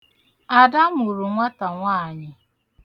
Ada mụrụ nwatànwaanyị.